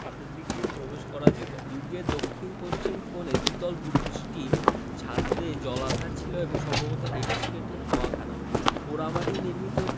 ছাদের উপর দিয়ে প্রবেশ করা যেত দুর্গের দক্ষিণপশ্চিম কোণের দ্বিতল বুরুজটির ছাদে জলাধার ছিল এবং সম্ভবত এটি ছিল একটি হাওয়াখানা পোড়ামাটি নির্মিত